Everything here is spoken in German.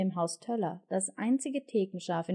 Haus Töller das einzige Thekenschaaf